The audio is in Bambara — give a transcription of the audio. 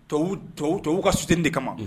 To to uu ka su de kama